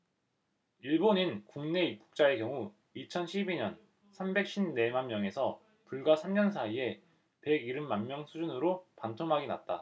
일본인 국내 입국자의 경우 이천 십 이 년 삼백 쉰 네 만명에서 불과 삼 년 사이에 백 일흔 만명 수준으로 반토막이 났다